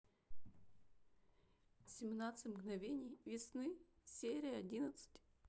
семнадцать мгновений весны серия одиннадцать